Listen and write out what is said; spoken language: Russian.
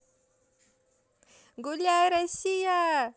гуляй россия